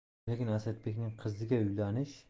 lekin asadbekning qiziga uylanish